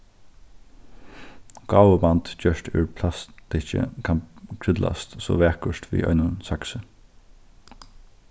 gávuband gjørt úr plastikki kann krúllast so vakurt við einum saksi